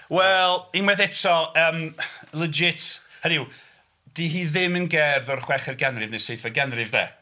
Wel unwaith eto yym legit hynny yw... 'di hi ddim yn gerdd o'r chweched ganrif neu seithfed ganrif de.